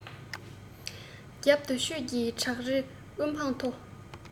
རྒྱབ ཏུ ཆོས ཀྱི བྲག རི དབུ འཕང མཐོ